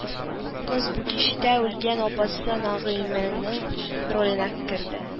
Кыз бу кичтә үлгән апасы Нәгыймәнең роленә керде